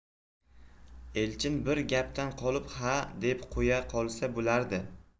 elchin bir gapdan qolib ha deb qo'ya qolsa bo'lardi